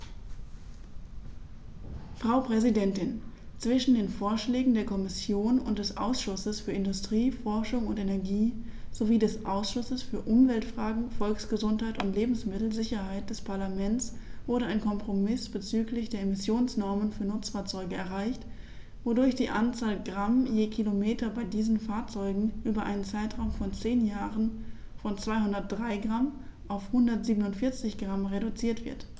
Frau Präsidentin, zwischen den Vorschlägen der Kommission und des Ausschusses für Industrie, Forschung und Energie sowie des Ausschusses für Umweltfragen, Volksgesundheit und Lebensmittelsicherheit des Parlaments wurde ein Kompromiss bezüglich der Emissionsnormen für Nutzfahrzeuge erreicht, wodurch die Anzahl Gramm je Kilometer bei diesen Fahrzeugen über einen Zeitraum von zehn Jahren von 203 g auf 147 g reduziert wird.